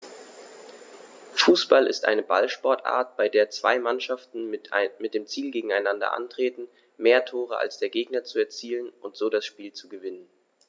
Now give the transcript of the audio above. Fußball ist eine Ballsportart, bei der zwei Mannschaften mit dem Ziel gegeneinander antreten, mehr Tore als der Gegner zu erzielen und so das Spiel zu gewinnen.